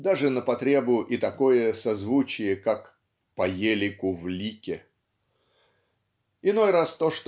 даже на потребу и такое созвучие, как "поелику в лике". Иной раз то